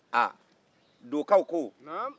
aa dokaw ko